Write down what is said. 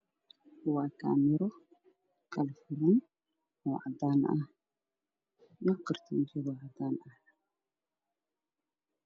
Waa camero kala furan oo caddaan ah iyo kartoonkeedoo caddaan ah